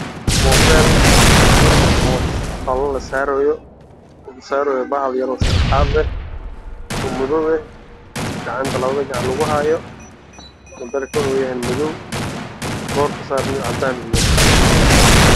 Meeshaan waxaa ka muuqdo mobile shaashad la saaraayo